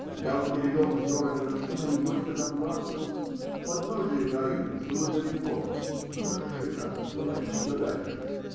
Тогда он перевел взоры на вершину и горько заплакал: подножие горы было далеко, но вершина была еще дальше!